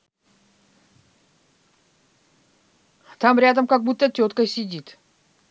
а там рядом как будто теткой сидит